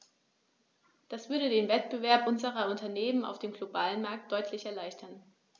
Das würde den Wettbewerb unserer Unternehmen auf dem globalen Markt deutlich erleichtern.